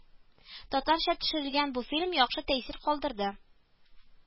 Татарча төшерелгән бу фильм яхшы тәэсир калдырды